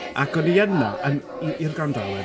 Ac o'n i yna, i'r i'r grandawyr...